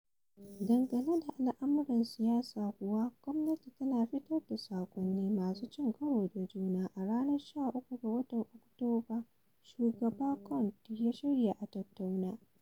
Dangane da al'amuran siyasa kuwa, gwamnati tana fitar da saƙonni masu cin karo da juna: A ranar 13 ga watan Oktoba Shugaba Conde ya shirya a tattauna.